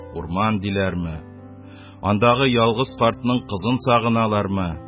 Урман диләрме, андагы ялгыз картның кызын сагыналармы